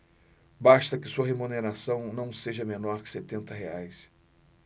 basta que sua remuneração não seja menor que setenta reais